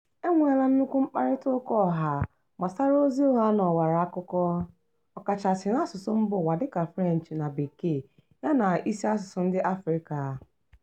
E nweela nnukwu mkparịtaụka ọha gbasara ozi ụgha n'ọwara akụkọ, ọkachasị n'asụsụ mbaụwa dịka French na Bekee, ya na isi asụsụ ndị Afrịka.